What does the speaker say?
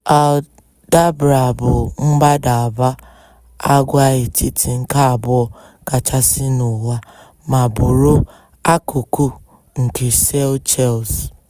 Aldabra bụ mbadaba agwaetiti nke abụọ kachasị n'ụwa ma bụrụ akụkụ nke Seychelles.